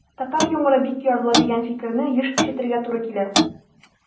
Татар юморы бик ярлы, дигән фикерне еш ишетергә туры килә.